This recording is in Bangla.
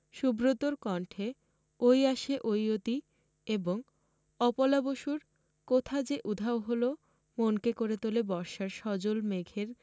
সুব্রতর কণ্ঠে অই আসে অই অতি এবং অপলা বসুর কোথা যে উধাও হল মনকে করে তোলে বর্ষার সজল মেঘের